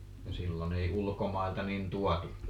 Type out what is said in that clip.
ja silloin ei ulkomailta niin tuotukaan